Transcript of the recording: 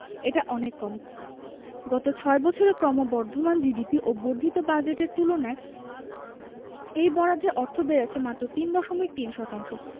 এটা অনেক কম গত ছয় বছরে ক্রমবর্ধমান জিডিপি ও বর্ধিত বাজেটের তুলনায় এই বরাদ্দে অর্থ বেড়েছে মাত্র তিন দশমিক তিন শতাংশ